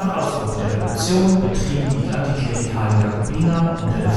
Ausbruch der Revolution betrieben die antiklerikalen Jakobiner unter der